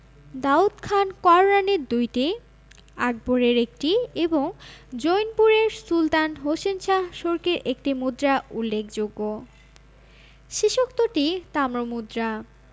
দাউদ খান কররানীর দুইটি আকবর এর একটি এবং জৈনপুরের সুলতান হোসেন শাহ শর্কীর একটি মুদ্রা উল্লেখযোগ্য শেষোক্তটি তাম্রমুদ্রা